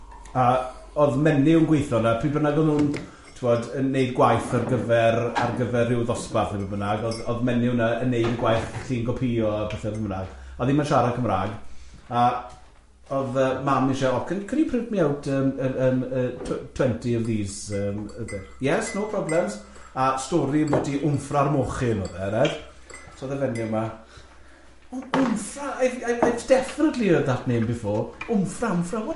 A oedd menyw yn gweithio na, pryd bynnag o'n nhw'n, tibod yn wneud gwaith ar gyfer ar gyfer ryw ddosbarth neu be bynnag, oedd oedd menyw na yn wneud gwaith llungopïo a pethe fel bynnag, oedd hi'm yn siarad Cymrag, a oedd yy mam isie, o can can you print me out yym yym yy tw- twenty of these yym yy yes, no problems, a stori ambiti Wmffra'r mochyn oedd e, so oedd y fenyw yma, o Wmffra, I've I've definitely heard that name before, Wmffra, Wmffra, what?